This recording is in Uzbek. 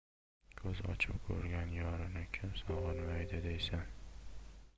ko'z ochib ko'rgan yorini kim sog'inmaydi deysan